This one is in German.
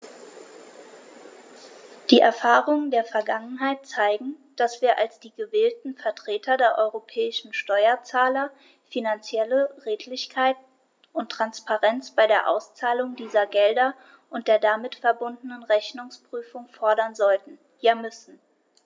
Die Erfahrungen der Vergangenheit zeigen, dass wir als die gewählten Vertreter der europäischen Steuerzahler finanzielle Redlichkeit und Transparenz bei der Auszahlung dieser Gelder und der damit verbundenen Rechnungsprüfung fordern sollten, ja müssen.